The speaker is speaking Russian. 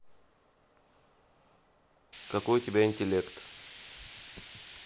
какой у тебя интеллект